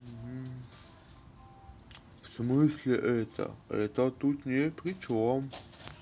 в смысле это это тут не причем